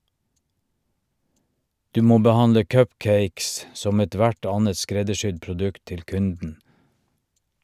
Du må behandle cupcakes som ethvert annet skreddersydd produkt til kunden.